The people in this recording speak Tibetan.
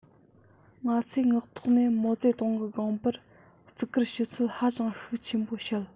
ང ཚོས ངག ཐོག ནས མའོ ཙེ ཏུང གི དགོངས པར བརྩི བཀུར ཞུ ཚུལ ཧ ཅང ཤུགས ཆེན པོ བཤད